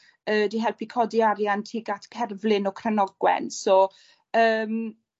yy 'di helpu codi arian tuag at cefrlyn o Crynogwen. So yym.